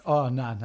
O na, na.